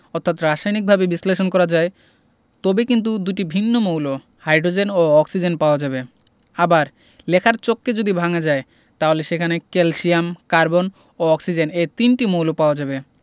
অর্থাৎ রাসায়নিকভাবে বিশ্লেষণ করা যায় তবে কিন্তু দুটি ভিন্ন মৌল হাইড্রোজেন ও অক্সিজেন পাওয়া যাবে আবার লেখার চককে যদি ভাঙা যায় তাহলে সেখানে ক্যালসিয়াম কার্বন ও অক্সিজেন এ তিনটি মৌল পাওয়া যাবে